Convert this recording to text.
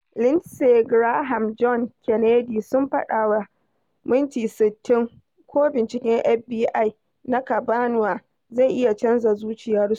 Lindsey Graham, John Kennedy sun faɗa wa "60 Minutes" ko binciken FBI na Kavanaugh zai iya canza zuciyarsu.